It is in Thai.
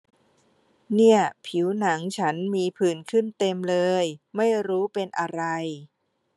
เนี่ยผิวหนังฉันมีผื่นขึ้นเต็มเลยไม่รู้เป็นอะไร